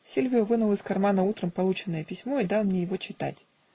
Сильвио вынул из кармана утром полученное письмо и дал мне его читать.